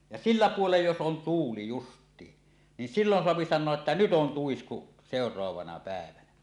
ja sillä puolen jos on tuuli justiin niin silloin saa sanoa että nyt on tuisku seuraavana päivänä